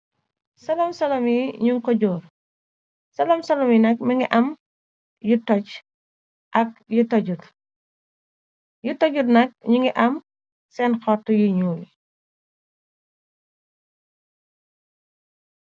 Soloom-solom yi ñu ko jóor, salom salom yi nag mi ngi am yu toj ak yu tojut, yu tojut nak ñungi am seen xort yi ñuul.